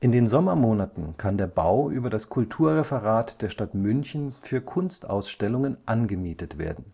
den Sommermonaten kann der Bau über das Kulturreferat der Stadt München für Kunstausstellungen angemietet werden